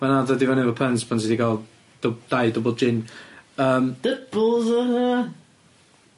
Mae'n anodd dod i fyny efo puns pan ti 'di ga'l dw- dau double gin yym. Doubles o' nw y rhei yna?.